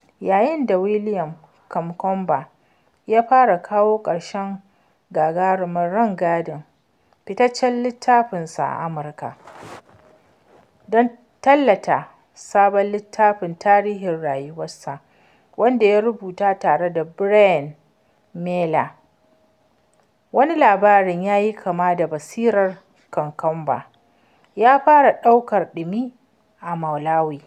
Yayin da William Kamkwamba ya fara kawo ƙarshen gagarumin rangadin fitaccen littafin sa a Amurka, don tallata sabon littafin tarihin rayuwarsa, wanda ya rubuta tare da Bryan Mealer, wani labarin da yayi kama da basirar Kamkwamba ya fara ɗaukar ɗimi a Malawi.